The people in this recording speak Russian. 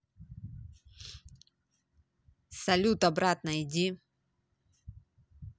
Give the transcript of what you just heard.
салют обратно иди